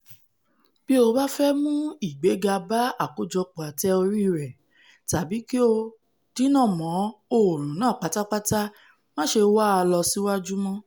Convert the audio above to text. Bí o báfẹ́ mú ìgbéga bá àkójọpọ̀ ate-orí rẹ tàbí kí o dínàmọ́ òòrùn náà pátápátá máṣe wá a lọ síwájú mọ́.